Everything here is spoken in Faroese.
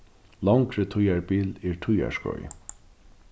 longri tíðarbil er tíðarskeið